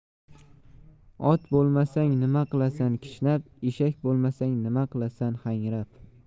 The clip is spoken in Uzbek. ot bo'lmasang nima qilasan kishnab eshak bo'lmasang nima qilasan hangrab